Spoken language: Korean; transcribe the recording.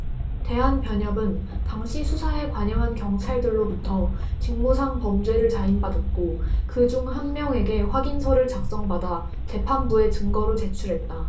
대한변협은 당시 수사에 관여한 경찰들로부터 직무상범죄를 자인받았고 그 중 한 명에게 확인서를 작성받아 재판부에 증거로 제출했다